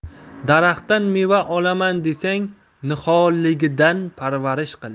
daraxtdan meva olaman desang niholligidan parvarish qil